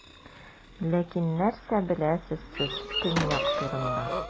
Ләкин нәрсә беләсез сез Төньяк турында?